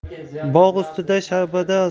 bog' ustida shabada